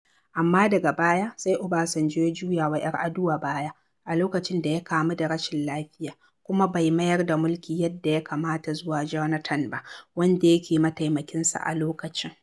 Amma daga baya sai Obasanjo ya juya wa 'Yar'aduwa baya a lokacin da ya kamu da rashin lafiya kuma bai mayar da mulki yadda ya kamata zuwa Jonathan ba, wanda yake mataimakinsa a lokacin.